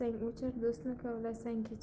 do'stni kavlasang kechar